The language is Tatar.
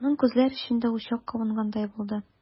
Аның күзләр эчендә учак кабынгандай булды.